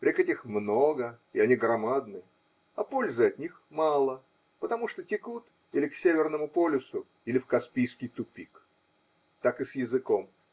Рек этих много, и они громадны, а пользы от них мало, потому что текут или к северному полюсу, или в Каспийский тупик. Так и с языком.